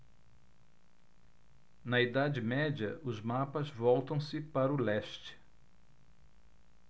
na idade média os mapas voltam-se para o leste